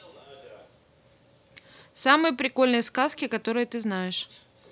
самые прикольные сказки которые ты знаешь